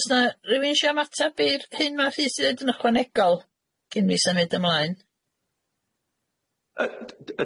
O's na rywun isio ymateb i'r hyn ma'r Rhys i ddeud yn ychwanegol cyn fi symud ymlaen?